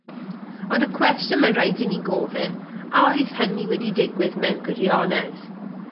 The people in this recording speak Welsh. Ond y cwestiwn ma' raid i ni gofyn a oedd hynny wedi digwydd mewn gwirionedd?